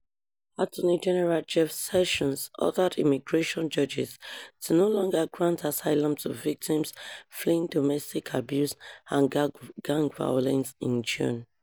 Attorney General Jeff Sessions ordered immigration judges to no longer grant asylum to victims fleeing domestic abuse and gang violence in June.